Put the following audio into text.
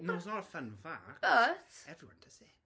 No, it's not a fun fact... But ...Everyone does it.